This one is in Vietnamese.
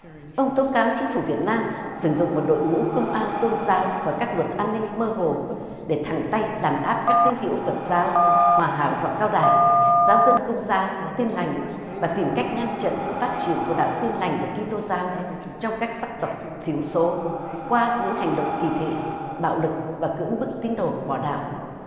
ông tố cáo chính phủ việt nam sử dụng một đội ngũ công an tôn giáo và các luật an ninh mơ hồ để thẳng tay đàn áp các tiên hữu phật giáo hòa hảo và cao đài giáo dân công giáo tin lành và tìm cách ngăn chặn sự phát triển của đạo tin lành và ki tô giáo trong các sắc tộc thiểu số qua những hành động kỳ thị bạo lực và cưỡng bức tín đồ bỏ đạo